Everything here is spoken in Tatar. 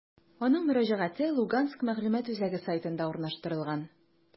Аның мөрәҗәгате «Луганск мәгълүмат үзәге» сайтында урнаштырылган.